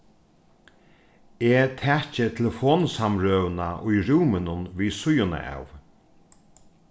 eg taki telefonsamrøðuna í rúminum við síðuna av